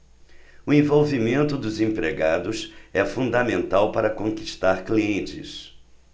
o envolvimento dos empregados é fundamental para conquistar clientes